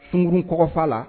Sunurunɔgɔfa la